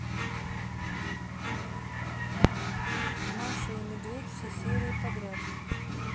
маша и медведь все серии подряд